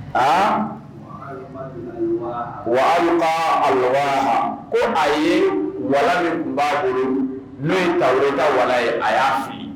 A wa ka a la ko a ye wala min tun b'a bolo n'o ta wɛrɛ ta wala ye a y'a fili